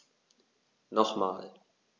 Nochmal.